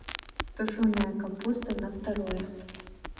тушеная капуста на второе